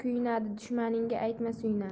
kuyunadi dushmaningga aytma suyunadi